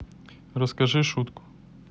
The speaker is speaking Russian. расскажи шутку